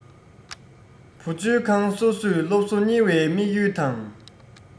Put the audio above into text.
བུ བཅོལ ཁང སོ སོས སློབ གསོ གཉེར བའི དམིགས ཡུལ དང